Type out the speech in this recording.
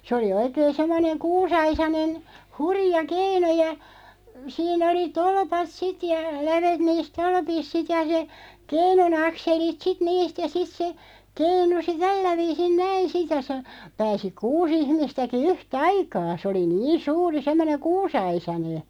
se oli oikein semmoinen kuusiaisainen hurja keinu ja siinä oli tolpat sitten ja lävet niissä tolpissa sitten ja se keinun akselit sitten niistä ja sitten se keinui tällä viisiin näin sitten ja se pääsi kuusi ihmistäkin yhtä aikaa se oli niin suuri semmoinen kuusiaisainen